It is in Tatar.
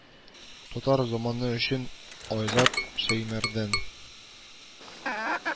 Татар заманы өчен, Айзат Шәймәрдән